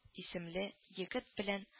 Исемле егет белән